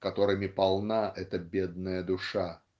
которыми полна эта бедная душа".